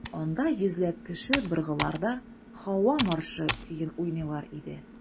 Анда йөзләп кеше быргыларда «Һава маршы» көен уйныйлар иде.